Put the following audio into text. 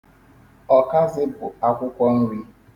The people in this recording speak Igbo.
Ọkazị bụ akwụkwọ nri.